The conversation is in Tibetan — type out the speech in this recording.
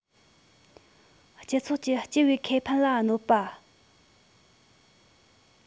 སྤྱི ཚོགས ཀྱི སྤྱི པའི ཁེ ཕན ལ གནོད པ